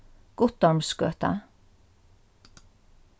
guttormsgøta